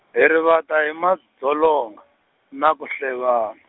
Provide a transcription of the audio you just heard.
hi rivata hi madzolonga, na ku hlevan- .